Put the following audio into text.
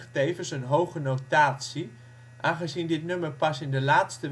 tevens een hoge notatie, aangezien dit nummer pas in de laatste